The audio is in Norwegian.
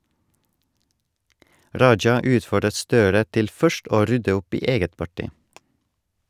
Raja utfordret Støre til først å rydde opp i eget parti.